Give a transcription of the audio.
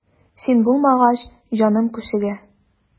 Син булмагач җаным күшегә.